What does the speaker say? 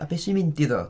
A be sy'n mynd i ddod?